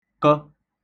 kə̣